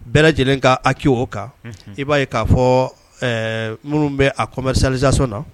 Bɛɛ lajɛlen ka hakɛw o kan, unhun, i b'a ye k'a fɔ minnu bɛ a commercialisation na.